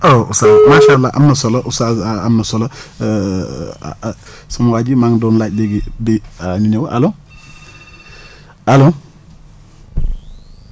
oh oustaz macha allah am na solo oustaz am na solo sama waa ji maa ngi doon laaj léegi di di ñu ñëw allo allo